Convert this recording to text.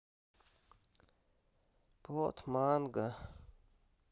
плод манго